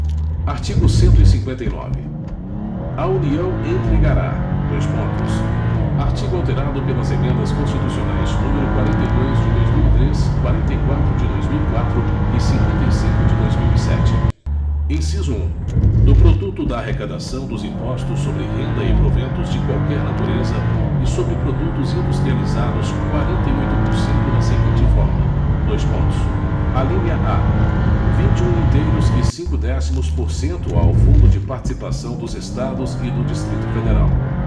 artigo cento e cinquenta e nove a união entregará dois pontos artigo alterado pelas emendas constitucionais número quarenta e dois de dois mil e três quarenta e quatro de dois mil e quatro e cinquenta e cinco de dois mil e sete inciso um do produto da arrecadação dos impostos sobre renda e proventos de qualquer natureza e sobre produtos industrializados quarenta e oito por cento na seguinte forma dois pontos alínea a vinte e um inteiros e cinco décimos por cento ao fundo de participação dos estados e do distrito federal